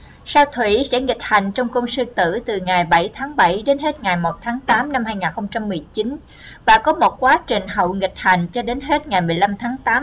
sao thủy sẽ nghịch hành trong cung sư tử từ ngày đến hết ngày và có một quá trình hậu nghịch hành cho đến hết ngày tới